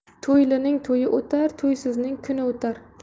to'ylining to'yi o'tar to'ysizning kuni o'tar